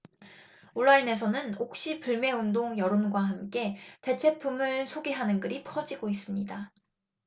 온라인에서는 옥시 불매운동 여론과 함께 대체품을 소개하는 글이 퍼지고 있습니다